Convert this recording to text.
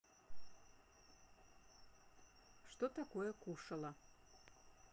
что такое кушала